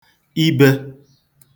ibē